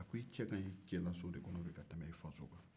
i cɛ ka ɲin i cɛla so de kɔnɔ bi ka tɛmɛ i faso kan